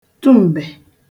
tụ m̀bè